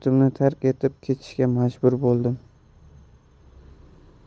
tark etib ketishga majbur bo'ldim